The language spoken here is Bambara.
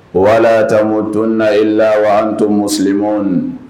Wala taamadon na e la waaan to momu